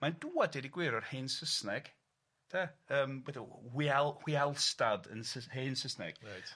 Mae'n dŵad, deud y gwir, o'r hen Sysneg, de, yym be' 'di o wial- hwialstad yn Sys- hen Sysneg. Reit.